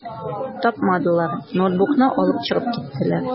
Тапмадылар, ноутбукны алып чыгып киттеләр.